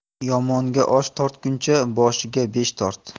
yomonga osh tortguncha boshiga besh tort